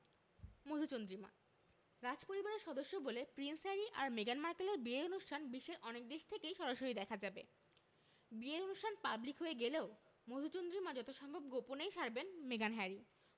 মধুচন্দ্রিমা রাজপরিবারের সদস্য বলে প্রিন্স হ্যারি আর মেগান মার্কেলের বিয়ের অনুষ্ঠান বিশ্বের অনেক দেশ থেকেই সরাসরি দেখা যাবে বিয়ের অনুষ্ঠান পাবলিক হয়ে গেলেও মধুচন্দ্রিমা যথাসম্ভব গোপনেই সারবেন মেগান হ্যারি